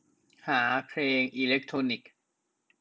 หาเพลงอิเลกโทรนิค